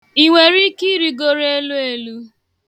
Ị nwere ike irigoro eluelu?